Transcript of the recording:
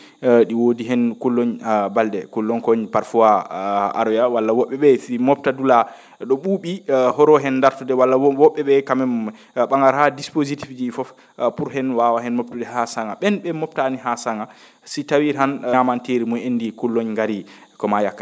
?i woodi heen kulloñ Baldé kulloñ koñ parfois a aroya walla wo??e ?ee si ?i mobta dulaa ?o ?uu?i horoo heen ndartude walla wo??e ?ee quand méme ?a?araa dispositif ji ?ii fof pour heen waawa heen mobtude haa sa?a ?een ?e moftaani haa sa?a si tawii ñaamanteeri mu'en ndii kulloñ ngarii ko maa yakka heen